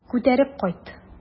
Күтәреп кайт.